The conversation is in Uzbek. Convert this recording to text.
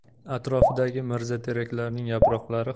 atrofidagi mirzateraklarning yaproqlari